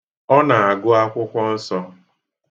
Ọ na-agụ akwụkwọ nsọ.